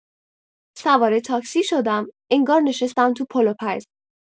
سوار تاکسی شدم انگار نشستم تو پلوپز.